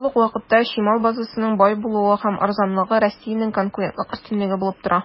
Шул ук вакытта, чимал базасының бай булуы һәм арзанлыгы Россиянең конкурентлык өстенлеге булып тора.